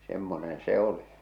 semmoinen se oli